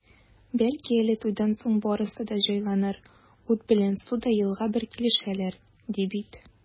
Бәлки әле туйдан соң барысы да җайланыр, ут белән су да елга бер килешәләр, ди бит.